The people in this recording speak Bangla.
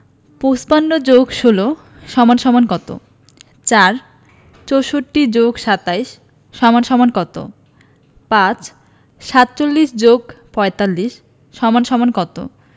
৫৫ + ১৬ = কত ৪ ৬৪ + ২৭ = কত ৫ ৪৭ + ৪৫ = কত